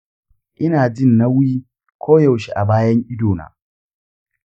ina jin nauyi koyaushe a bayan idona.